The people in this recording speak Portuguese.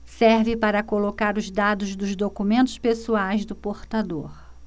serve para colocar os dados dos documentos pessoais do portador